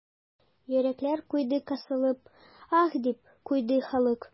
Йөрәкләр куйды кысылып, аһ, дип куйды халык.